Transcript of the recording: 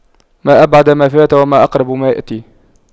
ما أبعد ما فات وما أقرب ما يأتي